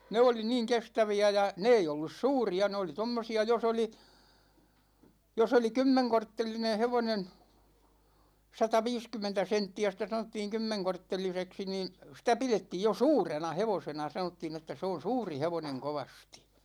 ne oli niin kestäviä ja ne ei ollut suuria ne oli tuommoisia jos oli jos oli kymmenkorttelinen hevonen sataviisikymmentä senttiä sitä sanottiin kymmenkortteliseksi niin sitä pidettiin jo suurena hevosena sanottiin että se on suuri hevonen kovasti